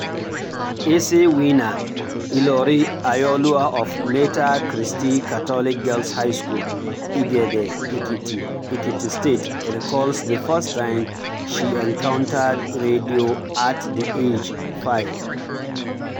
Essay winner Ìlọ̀rí Ayọ̀olúwa of Mater Christi Catholic Girls' High School, Igede Èkìtì, Èkìtì State, recalls the first time she encountered radio at the age 5: